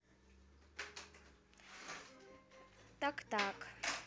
так так